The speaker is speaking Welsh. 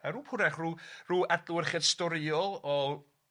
A rw hwrach rw rw adlewyrchiad storiol o